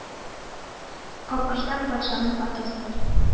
Капкорсак патшаның атасы